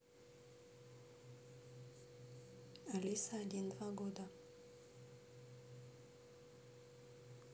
алиса один два года